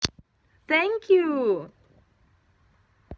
thank you